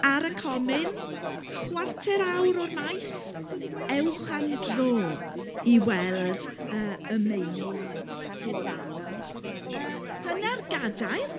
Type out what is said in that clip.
Ar y comin, chwarter awr o'r maes, ewch am dro i weld yy y meini go iawn yy dyna'r gadair.